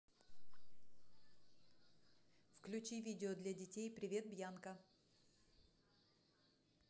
включи видео для детей привет бьянка